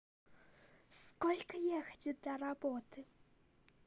сколько ехать до работы